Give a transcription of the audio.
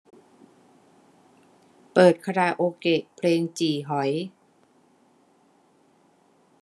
เปิดคาราโอเกะเพลงจี่หอย